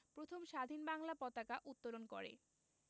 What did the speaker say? প্রথম স্বাধীন বাংলার পতাকা উত্তোলন করে